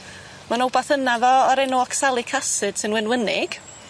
Ma'n wbath yna fo o'r enw oxalic acid sy'n wenwynig.